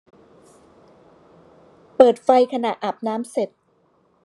เปิดไฟขณะอาบน้ำเสร็จ